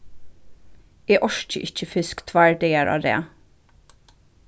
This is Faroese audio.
eg orki ikki fisk tveir dagar á rað